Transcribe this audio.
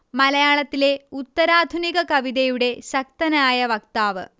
മലയാളത്തിലെ ഉത്തരാധുനിക കവിതയുടെ ശക്തനായ വക്താവ്